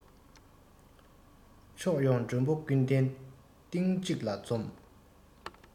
ཕྱོགས ཡོང མགྲོན པོ ཀུན གདན སྟེང གཅིག ལ འཛོམས